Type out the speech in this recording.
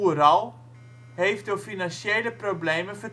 Ural, heeft door financiële problemen